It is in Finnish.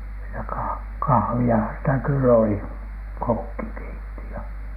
sitä - kahviahan sitä kyllä oli kokki keitti ja